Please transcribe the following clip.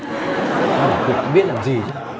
chứ biết làm gì chứ